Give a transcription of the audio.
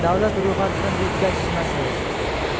davlat ro'yxatidan o'tkazish masalasi